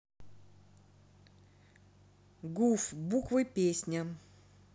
гуф буквы песня